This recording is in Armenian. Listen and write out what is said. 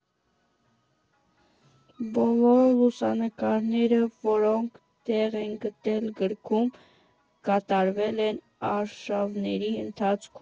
Բոլոր լուսանկարները, որոնք տեղ են գտել գրքում, կատարվել են արշավների ընթացքում։